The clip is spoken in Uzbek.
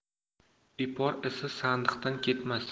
ipor isi sandiqdan ketmas